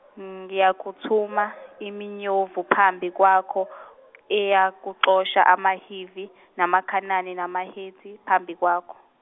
ngiyakuthuma iminyovu phambi kwakho eyakuxosha amaHivi, namaKhanani namaHeti phambi kwakho.